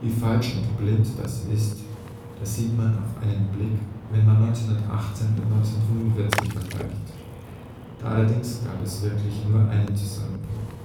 falsch und blind das ist, das sieht man auf einen Blick, wenn man 1918 mit 1945 vergleicht. Da allerdings gab es wirklich nur einen Zusammenbruch